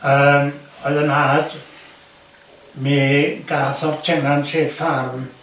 Yym oedd yn nhad mi gath o'r tennant i'r ffarm